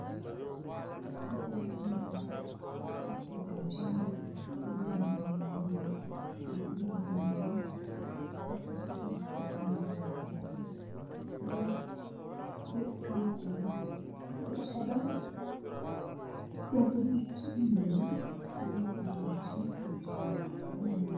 Halkaan waxaa ka muuqdo labo dabaq mid waa cadaan midna waabjaalo waxaana ku agyaalo geedo cagaaran